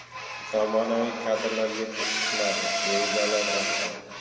zamonaviy kadrlar yetishib chiqmadi dedi davlat rahbari